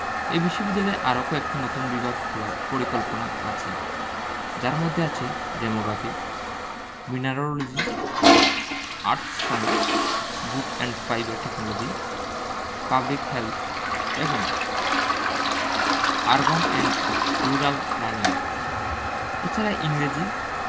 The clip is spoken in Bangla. এই বিশ্ববিদ্যালয়ের আরও কয়েকটি নতুন বিভাগ খোলার পরিকল্পনা আছে যার মধ্যে আছে demography mineralogy earth science jute and fibre technology public health এবং আরবান অ্যান্ড রুরাল প্ল্যানিং এছাড়া ইংরেজি